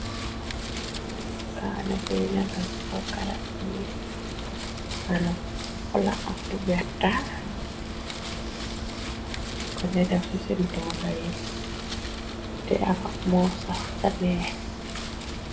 Kana bu neka ci kow garabii nii manam bu xonxu la ak bu werta, te nu ko dey daf ci sun togayi te akamo saff taneex.